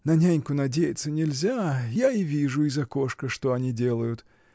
На няньку надеяться нельзя: я и вижу из окошка, что они делают.